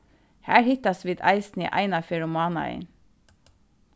har hittast vit eisini eina ferð um mánaðin